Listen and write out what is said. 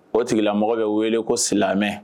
O tigilamɔgɔ bɛ wele ko silamɛ